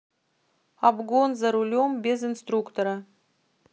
обгон за рулем без инструктора